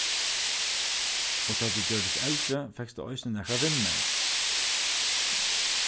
og tá tú gjørdist eldri fekst tú eisini nakrar vinmenn